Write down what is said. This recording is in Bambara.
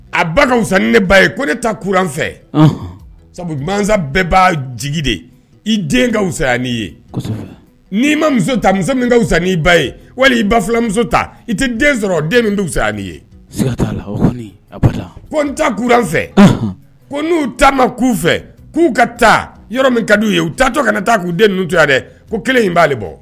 A ba ka fisa ne ba ye ko ne ta ku fɛ sabu bɛɛ b' jigi de i den fisa ye n'i ma muso ta muso sa ba ye wali i ba filamuso ta i tɛ den sɔrɔ den fisa ye ta fɛ ko n'u tau fɛ k'u ka taa yɔrɔ min ka'u ye u taa tɔ kana taa k'u den n dɛ ko kelen in b'aale bɔ